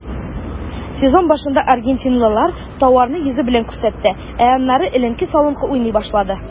Сезон башында аргентинлылар тауарны йөзе белән күрсәтте, ә аннары эленке-салынкы уйный башлады.